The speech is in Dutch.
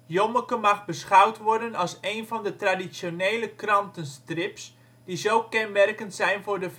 Jommeke mag beschouwd worden als één van de traditionele krantenstrips die zo kenmerkend zijn voor de Vlaamse